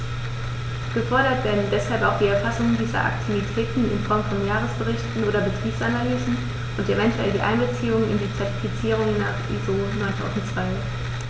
Gefordert werden deshalb auch die Erfassung dieser Aktivitäten in Form von Jahresberichten oder Betriebsanalysen und eventuell die Einbeziehung in die Zertifizierung nach ISO 9002.